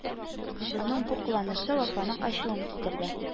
Аның бу кыланышы Вафаның ачуын китерде: